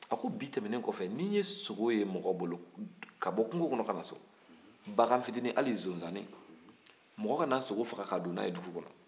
a ko bi tɛmɛnen kɔfɛ ni n ye sogo ye mɔgɔ bolo ka bɔ kungo kɔnɔ ka na so bagan fitini hali sonsanni mɔgɔ kana sogo faga ka don n'a ye dugu kɔnɔ